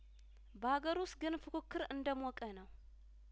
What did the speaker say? በሀገር ውስጥ ግን ፉክክር እንደሞቀ ነው